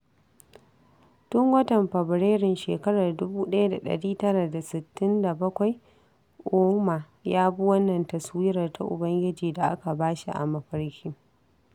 Tun watan Fabrairun shekarar 1967, Ouma ya bi wannan taswirar ta ubangiji da aka ba shi a mafarki.